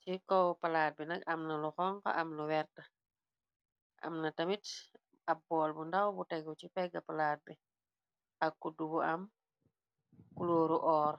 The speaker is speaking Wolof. ci kow palaat bi nag amna lu xonx, am nu wert, amna tamit ab bool bu ndaw, bu tegu ci pegg palaat bi, ak kudd bu am kulóoru oor.